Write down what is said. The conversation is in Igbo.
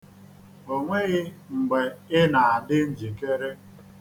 O nweghị mgbe ị na-adị njikere.